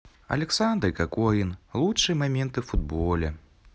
александр кокорин лучшие моменты в футболе